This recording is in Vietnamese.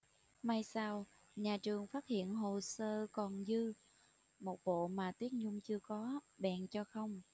may sao nhà trường phát hiện hồ sơ còn dư một bộ mà tuyết nhung chưa có bèn cho không